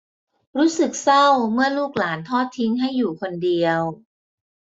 รู้สึกเศร้าเมื่อลูกหลานทอดทิ้งให้อยู่คนเดียว